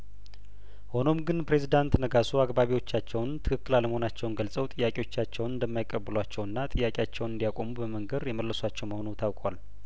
ሆኖም ግን ፕሬዝዳንት ነጋሶ አግባቢዎቻቸውን ትክክል አለመሆናቸውን ገልጸው ጥያቄዎቻቸውን እንደማይቀበሏቸውና ጥያቄያቸውን እንዲያቆሙ በመንገር የመለሷቸው መሆኑ ታውቋል